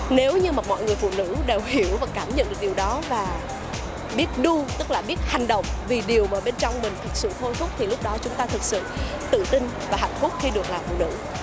nếu như mọi người phụ nữ đều hiểu và cảm nhận được điều đó và biết đu tức là biết hành động vì điều mà bên trong mình thực sự thôi thúc thì lúc đó chúng ta thực sự tự tin và hạnh phúc khi được làm phụ nữ